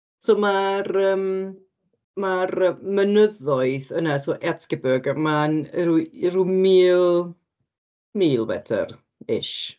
So ma'r yym... ma'r mynyddoedd yna, so Erzgebirge ma'n ryw mil, mil metr ish.